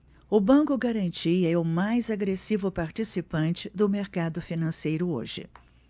o banco garantia é o mais agressivo participante do mercado financeiro hoje